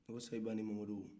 sayiba ni mamadu